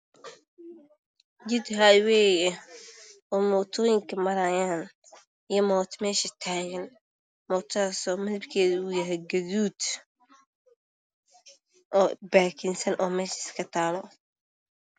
Jid highway ah oo mootooyinka maraayan iyo mooto mesha taagan mootadaas oo midabkeedu uu yahay gaduud oo baakinsan oo meesha is ka taallo